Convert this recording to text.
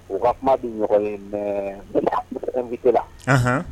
U ka kuma be ɲɔgɔn ye Mais meme Assimi invitera anhan